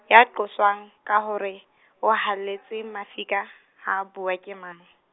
ya qoswang ka hore, o heletsa mafika, ha a bua ke mang?